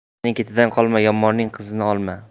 yaxshining ketidan qolma yomonning qizini olma